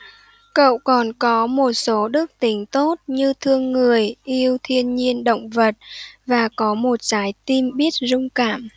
cậu còn có một số đức tính tốt như thương người yêu thiên nhiên động vật và có một trái tim biết rung cảm